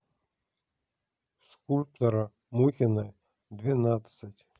скульптора мухиной двенадцать